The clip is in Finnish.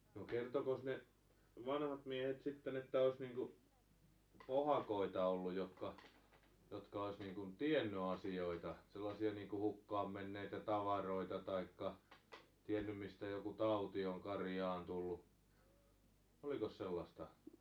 no kertoikos ne vanhat miehet sitten että olisi niin kuin pohakoita ollut jotka jotka olisi niin kuin tiennyt asioita sellaisia niin kuin hukkaan menneitä tavaroita tai tiennyt mistä joku tauti on karjaan tullut olikos sellaista